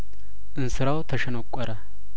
እንስራው ተሸነቆረ